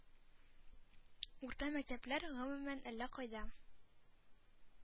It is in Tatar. Урта мәктәпләр, гомумән, әллә кайда.